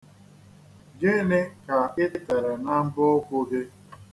Gịnị ka i tere na mbọ ụkwụ gị?